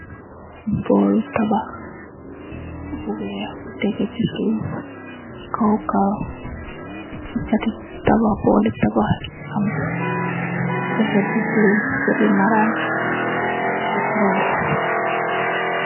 Boolu tabah bu weeh, bu tégé ci suuf, chi kaw karo. Chi chati tabah booli tabah bi am pakèt bi bulo, am maraj bi kèrèm.